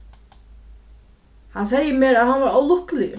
hann segði mær at hann var ólukkuligur